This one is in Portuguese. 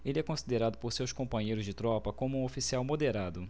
ele é considerado por seus companheiros de tropa como um oficial moderado